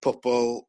pobol